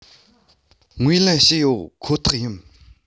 ངོས ལེན ཞུས ཡོད ཁོ ཐག ཡིན